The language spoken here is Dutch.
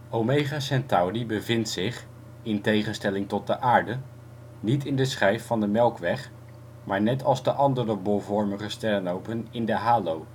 Omega Centauri bevindt zich – in tegenstelling tot de Aarde – niet in de schijf van de Melkweg maar net als de andere bolvormige sterrenhopen in de halo